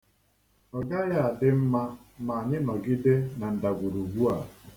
Ọ gaghị adi mma ma anyị nọgide na ndagwurugwu a.